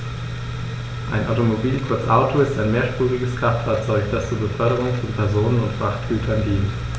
Ein Automobil, kurz Auto, ist ein mehrspuriges Kraftfahrzeug, das zur Beförderung von Personen und Frachtgütern dient.